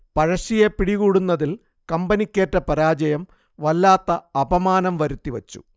പഴശ്ശിയെ പിടികൂടുന്നതിൽ കമ്പനിക്കേറ്റ പരാജയം വല്ലാത്ത അപമാനം വരുത്തിവെച്ചു